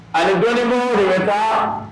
Ab yɛrɛ bɛ taa